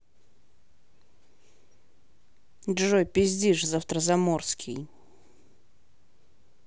джой пиздишь завтра заморский